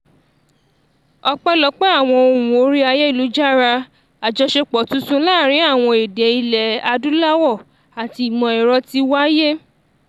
Ọpẹ́lọpẹ́ àwọn ohùn orí ayélujára, àjọṣepọ̀ tuntun láàárín àwọn èdè ilẹ̀ Adúláwọ̀ àti ìmọ̀-ẹ̀rọ ti wáyé.